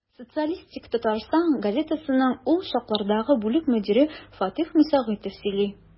«социалистик татарстан» газетасының ул чаклардагы бүлек мөдире фатыйх мөсәгыйтов сөйли.